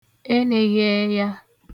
enēghịẹya